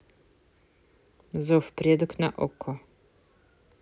зов предок на окко